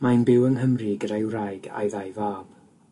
Mae'n byw yng Nghymru gyda'i wraig a'i ddau fab.